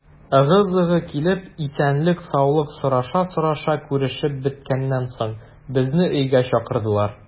Ыгы-зыгы килеп, исәнлек-саулык сораша-сораша күрешеп беткәннән соң, безне өйгә чакырдылар.